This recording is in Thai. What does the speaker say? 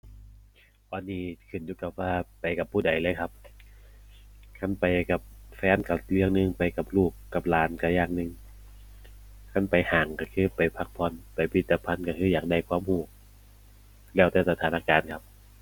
ตอนนี้ขึ้นอยู่กับว่าไปกับผู้ใดเลยครับ คันไปกับแฟนก็เรื่องหนึ่ง ไปกับลูก กับหลานก็อย่างหนึ่ง คันไปห้างก็คือไปพักผ่อน ไปพิพิธภัณฑ์ก็คืออยากได้ความก็ แล้วแต่สถานการณ์ครับ